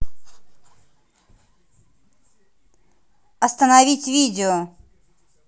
остановить видео